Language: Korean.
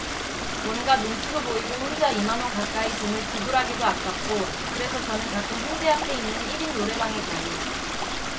뭔가 눈치도 보이고 혼자 이 만 원 가까이 돈을 지불하기도 아깝고 그래서 저는 가끔 홍대앞에 있는 일 인 노래방에 가요